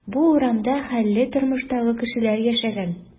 Бу урамда хәлле тормыштагы кешеләр яшәгән.